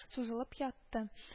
Сузылып ятты